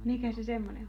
mikä se semmoinen on